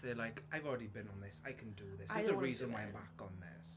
They're like; "I've already been on this, I can do this. There's a reason why I'm back on this."